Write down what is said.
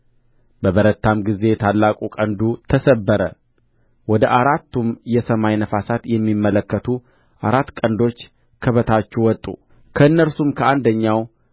በበረታም ጊዜ ታላቁ ቀንዱ ተሰበረ ወደ አራቱም የሰማይ ነፋሳት የሚመለከቱ አራት ቀንዶች ከበታቹ ወጡ ከእነርሱም ከአንደኛው